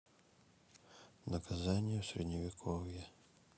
наказание в средневековье